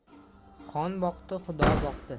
xon boqdi xudo boqdi